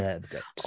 Loves it.